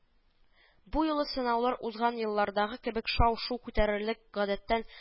Бу юлы сынаулар узган еллардагы кебек шау-шу күтәрерлек гадәттән